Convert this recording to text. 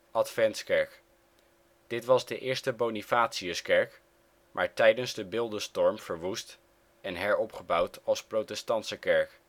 Adventskerk: dit was de eerste Bonifatiuskerk, maar tijdens de beeldenstorm verwoest en heropgebouwd als protestantse kerk